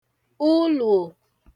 ulùò